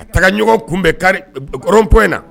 Ka taga ɲɔgɔn kun bɛ carré rond point na